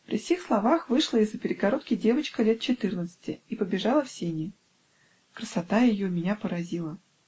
При сих словах вышла из-за перегородки девочка лет четырнадцати и побежала в сени. Красота ее меня поразила.